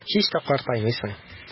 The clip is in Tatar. Һич тә картаймыйсың.